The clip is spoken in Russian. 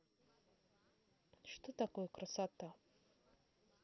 что такое красота